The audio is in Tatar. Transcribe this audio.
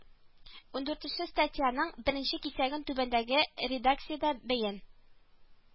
Ун дүртенче статьяның беренче кисәген түбәндәге редакциядә бәен